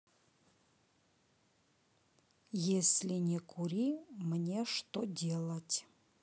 если не кури мне что делать